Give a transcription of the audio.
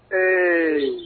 Un